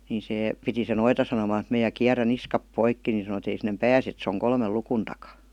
niin se piti se noita sanomaan että minä kierrän niskat poikki niin sanoi ei sinne pääse että se on kolmen luvun takana